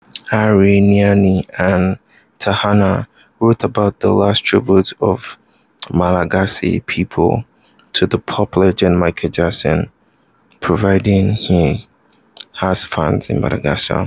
Ariniaina and Tahina wrote about the last tribute of Malagasy people to the pop legend Michael Jackson, proving he has fans in Madagascar.